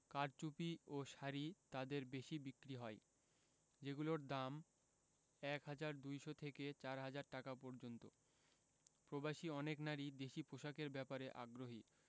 কারচুপি ও শাড়ি তাঁদের বেশি বিক্রি হয় যেগুলোর দাম ১ হাজার ২০০ থেকে ৪ হাজার টাকা পর্যন্ত প্রবাসী অনেক নারীই দেশি পোশাকের ব্যাপারে আগ্রহী